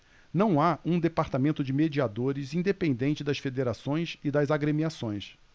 não há um departamento de mediadores independente das federações e das agremiações